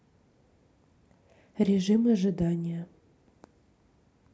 режим ожидания